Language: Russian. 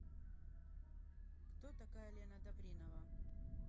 кто такая лена добринова